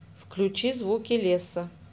включи звуки леса